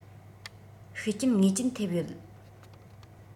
ཤུགས རྐྱེན ངེས ཅན ཐེབས ཡོད